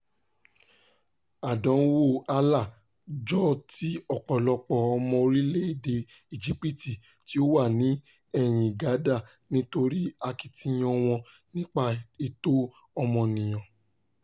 Àdánwòo Alaa jọ ti ọ̀pọ̀lọpọ̀ ọmọ orílẹ̀-èdè Íjípìtì tí ó wà ní ẹ̀yin gádà nítorí akitiyan wọn nípa ẹ̀tọ́ ọmọnìyàn.